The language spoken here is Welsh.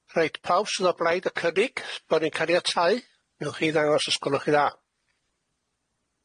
Reit pawb sydd o blaid y cynnig bo ni'n caniatáu, newch chi ddangos os gwelwch yn dda?